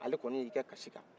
ale kɔni y'i kɛ kasin kan